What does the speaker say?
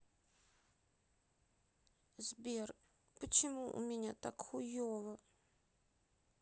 сбер почему у меня так хуево